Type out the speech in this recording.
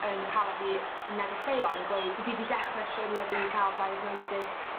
yn hala fi negeseuon yn gweud fi 'di dechre siwrne fi i ca'l diagnosis